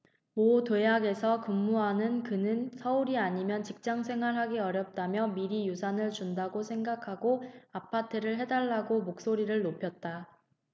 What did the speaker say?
모 대학에서 근무하는 그는 서울이 아니면 직장생활하기 어렵다며 미리 유산 준다고 생각하고 아파트를 해 달라고 목소리를 높였다